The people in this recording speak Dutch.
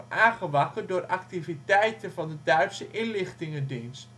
aangewakkerd door activiteiten van de Duitse inlichtingendienst